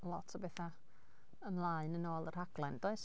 Lot o betha ymlaen yn ôl y rhaglen, does?